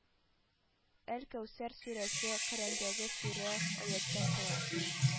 Әл-Кәүсәр сүрәсе – Коръәндәге сүрә, аятьтән тора